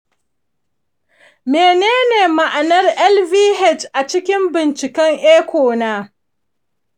menene ma'anar lvh a cikin binciken echo na?